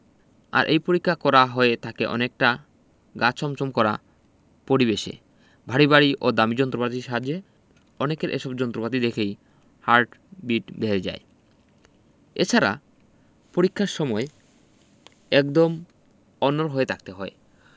আর এই পরীক্ষা করা হয়ে থাকে অনেকটা গা ছমছম করা পরিবেশে ভারী ভারী ও দামি যন্ত্রপাতির সাহায্যে অনেকের এসব যন্ত্রপাতি দেখেই হার্টবিট বেড়ে যায় এছাড়া পরীক্ষার সময় একদম অনড় হয়ে থাকতে হয়